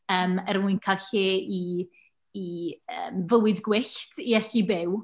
Yym er mwyn cael lle i i yym fywyd gwyllt i allu byw.